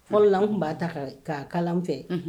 Fɔlɔ la tun b'a ta ka kalan fɛ